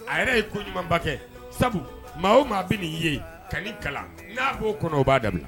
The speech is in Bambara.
A yɛrɛ ye ko ɲumanba kɛ sabu maa o maa bɛ nin i ye ka kalan'a'o kɔnɔ o b'a daminɛ